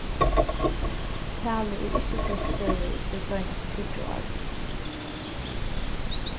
talið er ikki broytt stórvegis tey seinastu tíggju árini